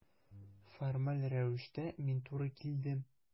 Формаль рәвештә мин туры килдем.